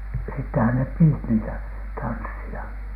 sittenhän ne piti niitä tansseja